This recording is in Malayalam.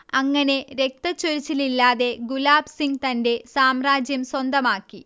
അങ്ങനെ രക്തച്ചൊരിച്ചിലില്ലാതെ ഗുലാബ് സിങ് തന്റെ സാമ്രാജ്യം സ്വന്തമാക്കി